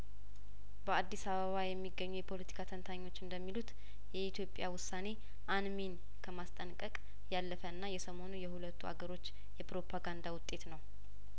በአዲስ አበባ የሚገኙ የፖለቲካ ተንታኞች እንደሚሉት የኢትዮጵያ ውሳኔ አንሚን ከማስጠንቀቅ ያለፈ እና የሰሞኑ የሁለቱ አገሮች የፕሮፓጋንዳ ውጤት ነው